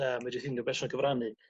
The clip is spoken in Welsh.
yy medrith unyw berson gyfrannu